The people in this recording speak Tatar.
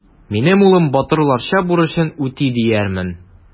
Минем улым батырларча бурычын үти диярмен.